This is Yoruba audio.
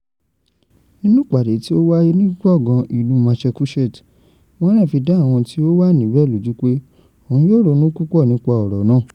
Nínú ìpàdé tí ó wáyé ní gbọ̀gán ìlú Massachusetts, Warren fi dá àwọn tí ó wà nibẹ̀ lójú pé òun yóò ronú púpọ̀ nípa ọ̀rọ̀ náà.